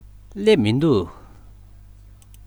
སླེབས མི འདུག